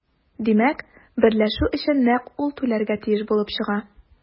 Димәк, берләшү өчен нәкъ ул түләргә тиеш булып чыга.